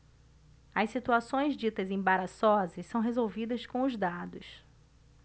as situações ditas embaraçosas são resolvidas com os dados